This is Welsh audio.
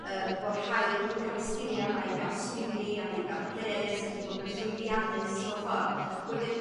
yym bo' rhaid medru ca'l y sgilia 'ma i ga'l swyddi ag i ga'l pres ac i fod yn llwyddiannus mewn ffordd wedyn